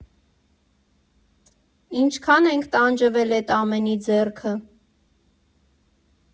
Ինչքա՜ն ենք տանջվել էդ ամենի ձեռքը։